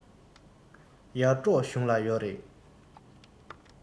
ཡར འབྲོག གཞུང ལ ཡོག རེད